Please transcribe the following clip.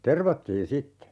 tervattiin sitten